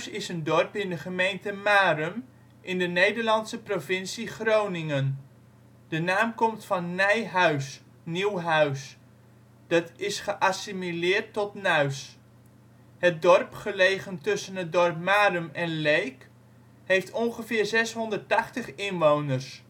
is een dorp in de gemeente Marum in de Nederlandse provincie Groningen. De naam komt van nij huis (nieuw huis), dat is geassimileerd tot Nuis. Het dorp, gelegen tussen het dorp Marum en Leek heeft ongeveer 680 inwoners